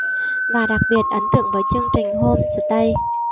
và đặc biệt ấn tượng với chương trình home stay